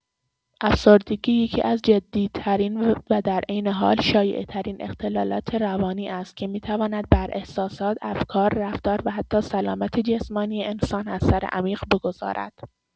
افسردگی یکی‌از جدی‌ترین و در عین حال شایع‌ترین اختلالات روانی است که می‌تواند بر احساسات، افکار، رفتار و حتی سلامت جسمانی انسان اثر عمیق بگذارد.